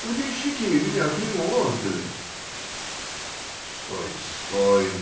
в денщики меня к нему отдали. - Стой, стой!